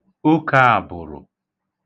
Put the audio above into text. okāàbụ̀rụ̀